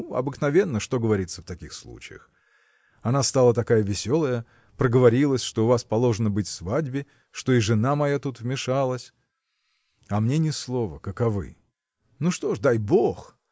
ну, обыкновенно, что говорится в таких случаях. Она стала такая веселая проговорилась что у вас положено быть свадьбе что и жена моя тут вмешалась. А мне ни слова – каковы! Ну, что ж: дай бог!